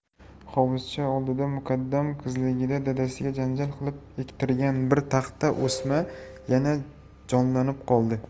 hovuzcha oldida muqaddam qizligida dadasiga janjal qilib ektirgan bir taxta o'sma yana jonlanib qoldi